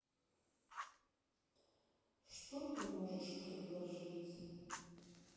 что ты можешь предложить